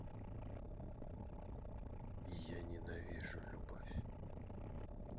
я ненавижу любовь